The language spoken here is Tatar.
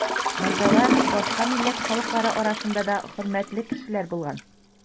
Морзалар башка милләт халыклары арасында да хөрмәтле кешеләр булган.